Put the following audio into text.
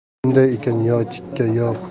shunday ekan yo chikka yo